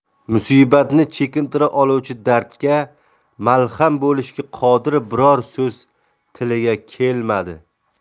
musibatni chekintira oluvchi dardga malham bo'lishga qodir biron so'z tiliga kelmadi